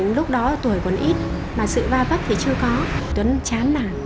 lúc đó tuổi còn ít mà sự va vấp thì chưa có tuấn chán nản